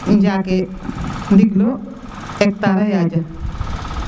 njake ndiŋ lo hectar a yaja